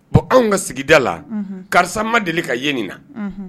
Bon anw ka sigida la karisa ma deli ka yen nin na